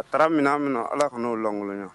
A taara min min na ala kɔni n'o lakolonya